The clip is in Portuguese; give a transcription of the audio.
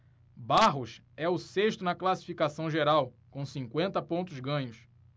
barros é o sexto na classificação geral com cinquenta pontos ganhos